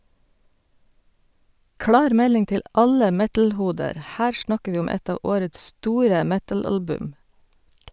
Klar melding til alle metalhoder; her snakker vi om ett av årets store metalalbum!